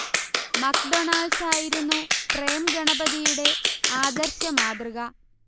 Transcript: McDonald's ആയിരുന്നു പ്രേം ഗണപതിയുടെ ആദർശ മാതൃക